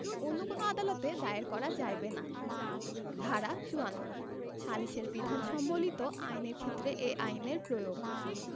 অন্য কোন আদালতে দায়ের করা যাইবে না ধারা ৫৪ সালিস এর বিধান সম্বলিত আইনের ক্ষেত্রে এই আইনের প্রয়োগ